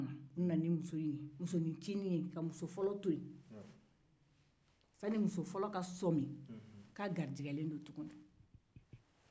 u nana ni musoninncinin ye ka muso fɔlɔ to yen sani o ka sɔmi k'a garijɛgɛlen don tuguni